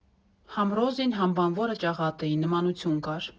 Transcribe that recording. Հա՛մ Ռոզին, հա՛մ բանվորը ճաղատ էին, նմանություն կար։